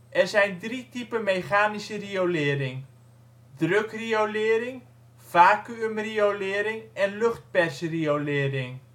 zijn drie typen mechanische riolering: drukriolering, vacuümriolering en luchtpersriolering